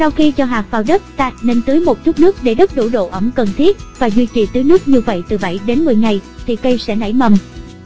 sau khi cho hạt vào đất ta nên tưới một chút nước để đất đủ độ ẩm cần thiết và duy trì tưới nước như vậy từ ngày thì cây sẽ nảy mầm